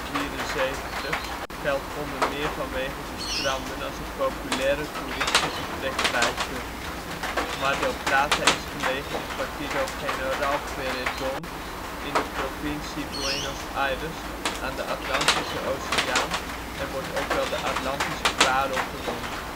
1874, geldt onder meer vanwege de stranden als een populaire toeristische trekpleister. Mar del Plata is gelegen in partido General Pueyrredón in de provincie Buenos Aires aan de Atlantische Oceaan en wordt ook wel ' de Atlantische Parel ' genoemd